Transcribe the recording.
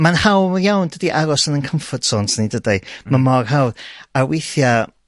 ma'n hawdd iawn dydi? Aros yn ein comfort zones ni dydi? Ma' mor hawdd a withia